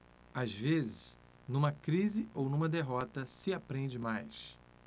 às vezes numa crise ou numa derrota se aprende mais